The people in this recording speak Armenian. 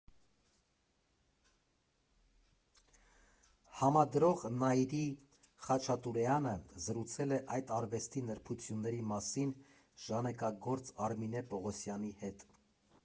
Համադրող Նայիրի Խաչատուրեանը զրուցել է այդ արվեստի նրբությունների մասին ժանեկագործ Արմինե Պողոսյանի հետ։